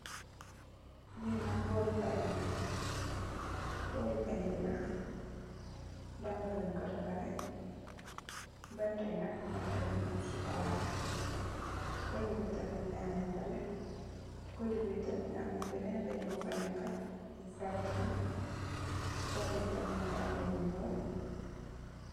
Li nak booli pèny la, booli pèny bi nak banta leen ko defarè. Banta yi nak banta yu sokola. Ci kotè bi tamit mungi ameh balè. Ci kotè bi tamit amna benen pèny bu fa nekka lu sartt la, ci kotè yi tamit mungi ameh lu ñuul.